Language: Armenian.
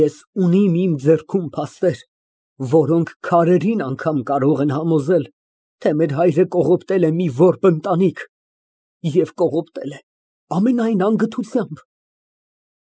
Ես ունիմ իմ ձեռքում փաստեր, որոնք քարերին անգամ կարող են համոզել, թե մեր հայրը կողոպտել է մի որբ ընտանիք, և կողոպտել է ամենայն անգթությամբ։